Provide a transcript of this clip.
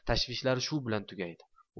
tashvishlari shu bilan tugaydi